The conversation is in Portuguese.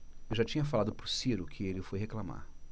eu já tinha falado pro ciro que ele foi reclamar